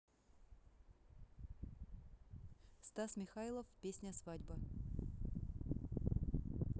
стас михайлов песня свадьба